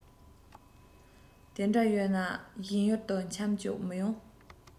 དེ འདྲ ཡོད ན གཞན ཡུལ དུ ཁྱམས བཅུག མི ཡོང